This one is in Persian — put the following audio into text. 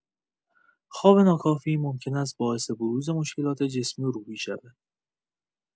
خواب ناکافی ممکن است باعث بروز مشکلات جسمی و روحی شود.